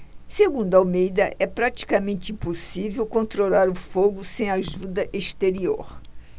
segundo almeida é praticamente impossível controlar o fogo sem ajuda exterior